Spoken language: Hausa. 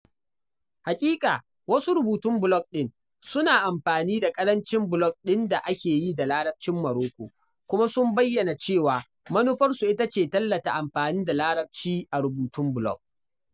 Haƙiƙa, wasu rubutun blog ɗin suna amfani, da ƙarancin blog ɗin da ake yi da Larabcin Morocco kuma sun bayyana cewa manufarsu ita ce tallata amfani da Larabci a rubutun blog.